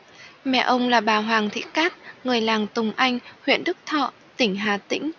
mẹ ông là bà hoàng thị cát người làng tùng anh huyện đức thọ tỉnh hà tĩnh